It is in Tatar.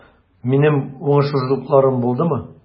Минем уңышсызлыкларым булдымы?